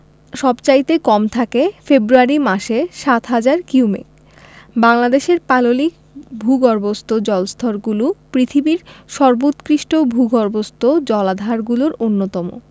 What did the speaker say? সবচাইতে কম থাকে ফেব্রুয়ারি মাসে ৭হাজার কিউমেক বাংলাদেশের পাললিক ভূগর্ভস্থ জলস্তরগুলো পৃথিবীর সর্বোৎকৃষ্টভূগর্ভস্থ জলাধারগুলোর অন্যতম